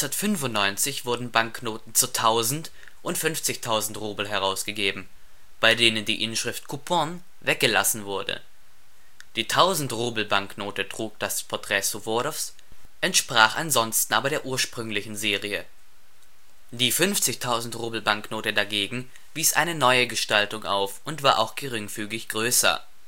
1995 wurden Banknoten zu 1000 und 50.000 Rubel herausgegeben, bei denen die Inschrift „ Kupon “weggelassen wurde. Die 1000-Rubel-Banknote trug das Porträt Suworows, entsprach ansonsten aber der ursprünglichen Serie. Die 50.000-Rubel-Banknote dagegen wies eine neue Gestaltung auf und war auch geringfügig größer